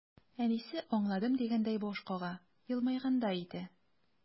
Әнисе, аңладым дигәндәй баш кага, елмайгандай итә.